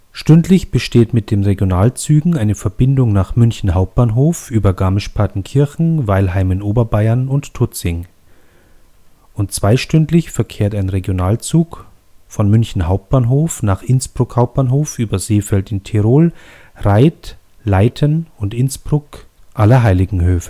Stündlich besteht mit den Regionalzügen eine Verbindung nach München Hauptbahnhof über Garmisch-Partenkirchen, Weilheim in Oberbayern und Tutzing. Und zweistündlich verkehrt ein Regionalzug von München Hauptbahnhof nach Innsbruck Hauptbahnhof über Seefeld in Tirol, Reith, Leithen und Innsbruck-Allerheiligenhöfe